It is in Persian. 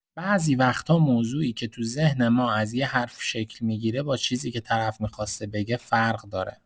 بعضی وقتا موضوعی که تو ذهن ما از یه حرف شکل می‌گیره، با چیزی که طرف می‌خواسته بگه فرق داره.